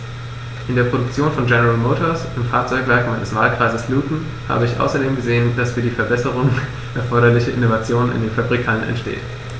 In der Produktion von General Motors, im Fahrzeugwerk meines Wahlkreises Luton, habe ich außerdem gesehen, dass die für Verbesserungen erforderliche Innovation in den Fabrikhallen entsteht.